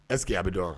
Ɛseke y a bɛ dɔn